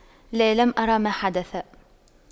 لا لم أرى ما حدث